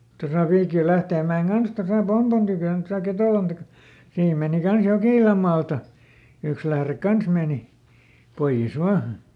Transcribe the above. tuossa Viikin Lähteenmäen kanssa tuossa Pompon tykönä tuossa Ketolan - siinä meni kanssa Jokilan maalta yksi lähde kanssa meni pois vain